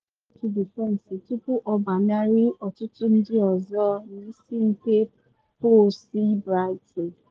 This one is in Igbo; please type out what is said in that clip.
Ọ kwapụrụ otu defensị tupu ọ gbanarị ọtụtụ ndị ọzọ n’isi nke bọksị Brighton.